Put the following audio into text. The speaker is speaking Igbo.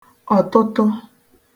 ọtụtụ